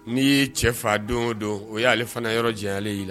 N'i y'i cɛ faa don o don o y'ale fana yɔrɔ janyalen y'i la